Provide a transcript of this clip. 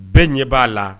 Bɛɛ ɲɛ b'a la